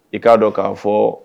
I k'a dɔ k'a fɔɔ